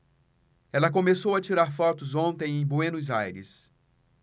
ela começou a tirar fotos ontem em buenos aires